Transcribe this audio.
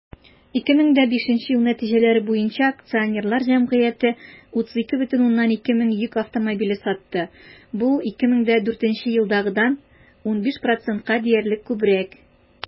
2005 ел нәтиҗәләре буенча акционерлар җәмгыяте 32,2 мең йөк автомобиле сатты, бу 2004 елдагыдан 15 %-ка диярлек күбрәк.